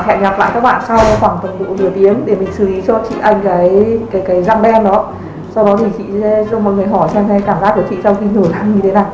hẹn gặp lại các bạn sau khoảng tầm nửa tiếng nữa để mình xử lý cho chị anh cái răng đen đó sau đó chị sẽ cho mọi người hỏi xem cảm giác sau khi nhổ răng như thế nào